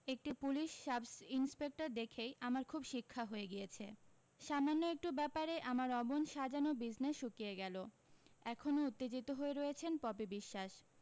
একটি police sub inspector দেখেই আমার খুব শিক্ষা হয়ে গিয়েছে সামান্য একটু ব্যাপারে আমার অমন সাজানো বিজনেস শুকিয়ে গেলো এখনও উত্তেজিত হয়ে রয়েছেন পপি বিশ্বাস